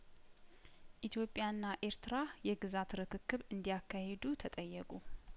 ኢትዮጵያና ኤርትራ የግዛት ርክክብ እንዲ ያካሂዱ ተጠየቁ